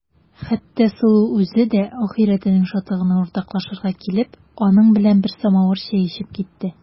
Хәтта Сылу үзе дә ахирәтенең шатлыгын уртаклашырга килеп, аның белән бер самавыр чәй эчеп китте.